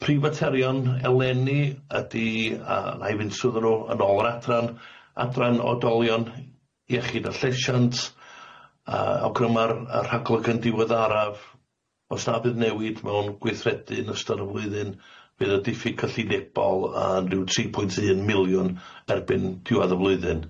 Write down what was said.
Y prifaterion eleni ydi yy na'i fynd swydd yn ôl yn ôl yr adran, adran odolion iechyd a llesiant a awgryma'r y rhaglygon diweddaraf o's na bydd newid mewn gweithredu yn ystod y flwyddyn bydd y diffyg cyllidebol yn ryw tri pwynt un miliwn erbyn diwadd y flwyddyn.